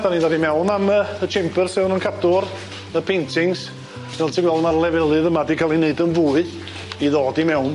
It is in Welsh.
'Dan ni'n dod i mewn am yy y chambers lle o'n nw'n cadw'r y paintings fel ti'n gweld ma'r lefelydd yma 'di ca'l 'u neud yn fwy i ddod i mewn.